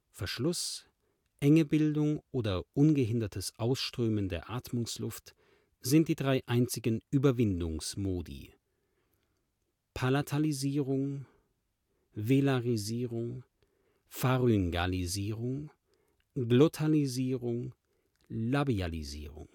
Verschluss, Engebildung oder ungehindertes Ausströmen der Atmungsluft sind die drei einzigen Überwindungsmodi. Palatalisierung Velarisierung Pharyngalisierung Glottalisierung Labialisierung